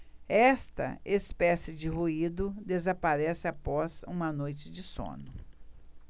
esta espécie de ruído desaparece após uma noite de sono